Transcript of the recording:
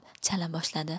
chala boshladi